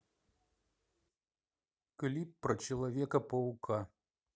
клип про человека паука